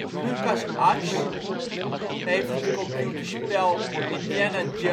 Lucasarts heeft het computerspel Indiana Jones